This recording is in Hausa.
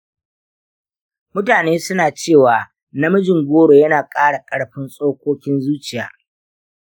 mutane suna cewa namijin goro yana ƙara ƙarfin tsokokin zuciya